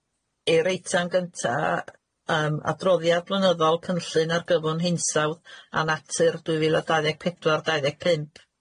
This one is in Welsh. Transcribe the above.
i'r eitam gynta a- y- yym. Adroddiad Blynyddol Cynllun Argyfwng Hinsawdd a Natur dwy fil a dau ddeg pedwar dau ddeg pump.